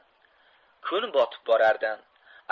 kun botib borardi